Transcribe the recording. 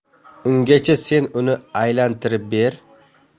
ungacha sen uni aylantirib ber